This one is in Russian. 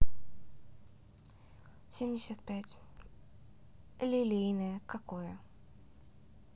семьдесят пять лилейное какое